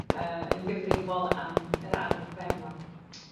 yy yn gyfrifol am yr arfe yma.